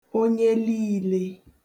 onye liìle